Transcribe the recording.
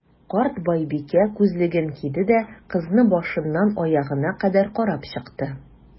Карт байбикә, күзлеген киде дә, кызны башыннан аягына кадәр карап чыкты.